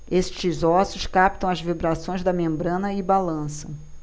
estes ossos captam as vibrações da membrana e balançam